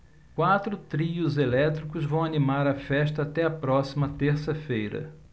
quatro trios elétricos vão animar a festa até a próxima terça-feira